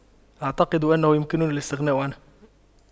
أعتقد أنه يمكنني الاستغناء عنه